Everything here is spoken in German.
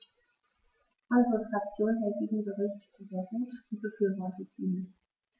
Unsere Fraktion hält diesen Bericht für sehr gut und befürwortet ihn.